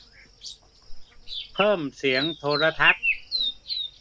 เพิ่มเสียงโทรทัศน์